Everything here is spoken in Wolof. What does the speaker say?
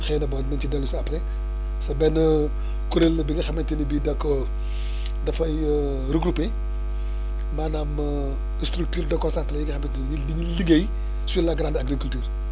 xëy na bon dinañ ci dellu si après parce que benn kuréel la bi nga xamante ni bii da koo dafay regroupé maanaam structure de déconcentré la yi nga xamante ni ñu ngi liggéey sur la grande agriculture